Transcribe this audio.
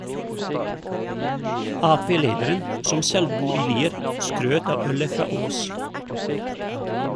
Ap-lederen, som selv bor i Lier, skrøt av ølet fra Aass.